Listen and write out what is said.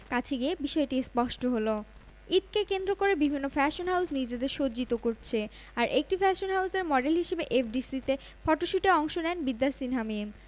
মাছরাঙা টিভিতে প্রচার চলতি ধারাবাহিক নাটক ফুল এইচডি এটিতে বেশ আগ্রহ নিয়ে কাজ করছেন বলে জানিয়েছেন মোশাররফ করিম নাটকটি প্রসঙ্গে তিনি বলেন সাধারণত ধারাবাহিক নাটকে অভিনয় করা হয় না আমার